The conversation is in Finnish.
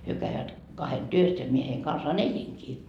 he kävivät kahden työssä ja minä heidän kanssaan elinkin